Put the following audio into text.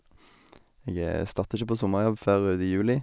Jeg starter ikke på sommerjobb før uti juli.